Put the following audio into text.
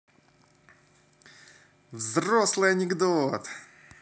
взрослый анекдот